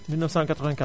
1984